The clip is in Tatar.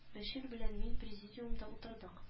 Бәшир белән мин президиумда утырдык